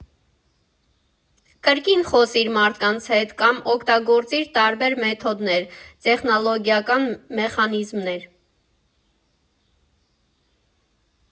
Կրկին խոսիր մարդկանց հետ, կամ օգտագործիր տարբեր մեթոդներ, տեխնոլոգիական մեխանիզմներ.